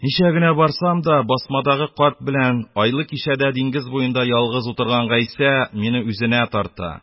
Ничә генә барсам да, басмадагы карт белән айлы кичәдә диңгез буенда ялгыз утырган Гыйса мине үзенә тарта